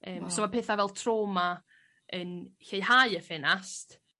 yym... Waw. .. so ma' petha fel trawma yn lleihau y ffenast